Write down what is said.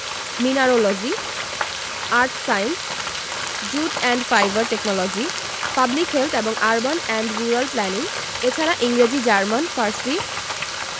mineralogy earth science jute and fibre technology public health এবং urban and rural planning এছাড়া ইংরেজি German ফারসি